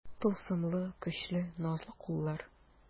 Тылсымлы, көчле, назлы куллар.